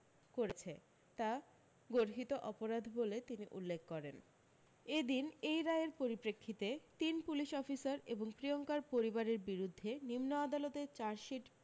করেছে তা গর্হিত অপরাধ বলে তিনি উল্লেখ করেন এদিন এই রায়ের পরিপ্রেক্ষিতে তিন পুলিশ অফিসার এবং প্রিয়ঙ্কার পরিবারের বিরুদ্ধে নিম্ন আদালতে চার্জশিট